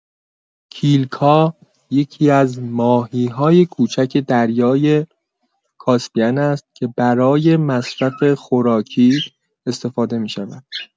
کیلکا یکی‌از ماهی‌های کوچک دریای کاسپین است که برای مصرف خوراکی استفاده می‌شود.